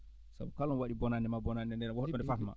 sabu kala mo waɗi bonannde maa bonannde nde wonɗon ne fadmaa